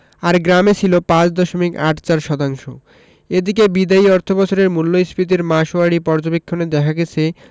আর গ্রামে ছিল ৫ দশমিক ৮৪ শতাংশ এদিকে বিদায়ী অর্থবছরের মূল্যস্ফীতির মাসওয়ারি পর্যবেক্ষণে দেখা গেছে